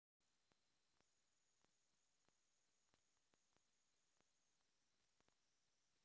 включи мимимишки на ютуб